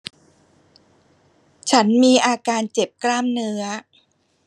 ฉันมีอาการเจ็บกล้ามเนื้อ